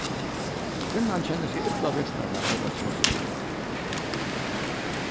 kvinnan kennir seg illa viðfarna av arbeiðsplássinum